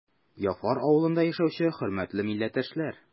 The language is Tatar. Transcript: Яфар авылында яшәүче хөрмәтле милләттәшләр!